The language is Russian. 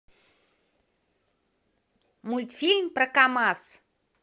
мультфильм про камаз